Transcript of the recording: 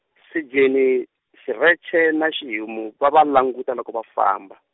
Sejeni, Xirheche na Xihimu va va languta loko va famba.